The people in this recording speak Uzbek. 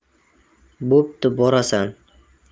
bo'pti borasan